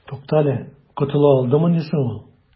Туктале, котыла алдымыни соң ул?